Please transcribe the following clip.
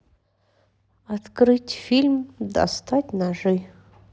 открыть фильм достать ножи